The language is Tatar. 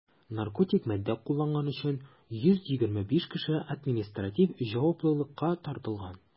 Наркотик матдә кулланган өчен 125 кеше административ җаваплылыкка тартылган.